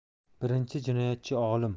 birinchi jinoyatchi olim